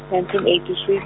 nineteen eighty si-.